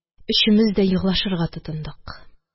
Өчемез дә еглашырга тотындык.